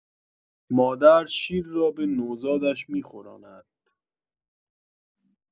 مادر شیر را به نوزادش می‌خوراند